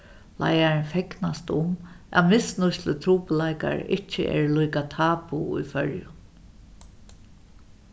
leiðarin fegnast um at misnýtslutrupulleikar ikki eru líka tabu í føroyum